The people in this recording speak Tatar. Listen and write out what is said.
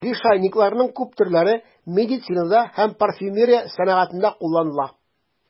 Лишайникларның күп төрләре медицинада һәм парфюмерия сәнәгатендә кулланыла.